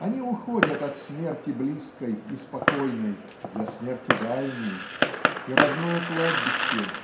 Они уходят от смерти близкой и спокойной для смерти дальней и родное кладбище